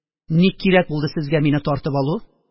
Ник кирәк булды сезгә мине тартып алу?